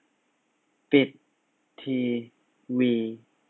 ปิดทีวี